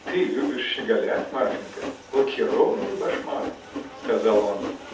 — Ты любишь щеголять, Марфинька: лакированный башмак! — сказал он.